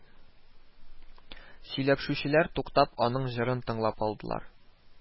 Сөйләпшүчеләр, туктап, аның җырын тыңлап алдылар